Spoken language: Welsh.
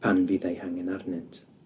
pan fydd e'i hangen arnynt.